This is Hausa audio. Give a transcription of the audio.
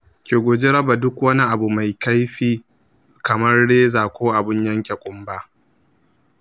ki guji raba duk wani abu mai kaifi kaman reza ko abun yanke ƙumba.